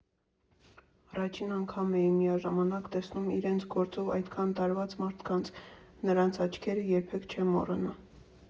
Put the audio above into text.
Առաջին անգամ էի միաժամանակ տեսնում իրենց գործով այդքան տարված մարդկանց, նրանց աչքերը երբեք չեմ մոռանա։